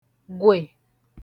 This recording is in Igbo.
gwè